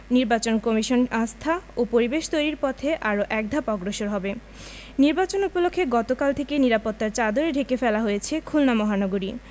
নির্বাচন কমিশন আস্থা ও পরিবেশ তৈরির পথে আরো একধাপ অগ্রসর হবে নির্বাচন উপলক্ষে গতকাল থেকে নিরাপত্তার চাদরে ঢেকে ফেলা হয়েছে খুলনা মহানগরী